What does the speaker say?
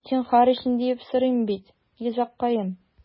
Зинһар өчен, диеп сорыйм бит, йозаккаем...